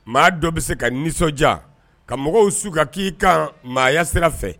Maa dɔ bɛ se ka nisɔndiya ka mɔgɔw su ka k'i kan maaya sira fɛ